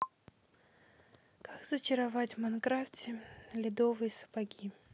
как зачаровать в майнкрафте ледовые сапоги